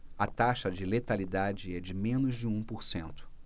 a taxa de letalidade é de menos de um por cento